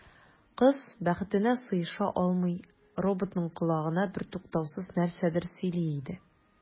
Кыз, бәхетенә сыеша алмый, роботның колагына бертуктаусыз нәрсәдер сөйли иде.